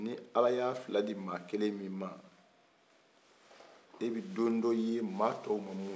ni ala y'a fila di maa kelen min ma e be don dɔye maa tɔw ma min ye